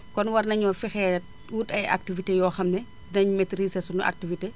kon war naénoo fexee wut ay activités yoo xam ne dinañ maitrisé sunu activité